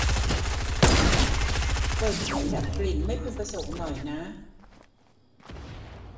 เปิดเครื่องดับกลิ่นไม่พึงประสงค์หน่อยนะ